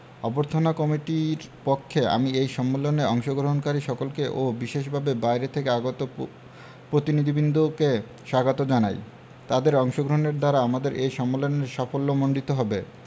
অভ্যর্থনা কমিটির পক্ষে আমি এই সম্মেলনে অংশগ্রহণকারী সকলকে ও বিশেষভাবে বাইরে থেকে আগত পতিনিধিবৃন্দকে স্বাগত জানাই তাদের অংশগ্রহণের দ্বারা আমাদের এ সম্মেলন সাফল্যমণ্ডিত হবে